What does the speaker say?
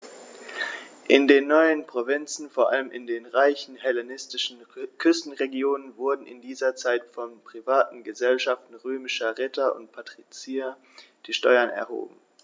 In den neuen Provinzen, vor allem in den reichen hellenistischen Küstenregionen, wurden in dieser Zeit von privaten „Gesellschaften“ römischer Ritter und Patrizier die Steuern erhoben.